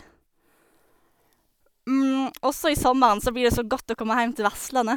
Også i sommeren så blir det så godt å komme heim til Vestlandet.